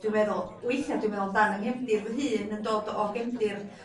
Dwi'n meddwl... Weithia' dwi meddwl amdan 'yn nghefndir fy hun yn dod o gefndir...